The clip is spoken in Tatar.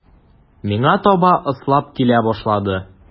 Миңа таба ыслап килә башлады.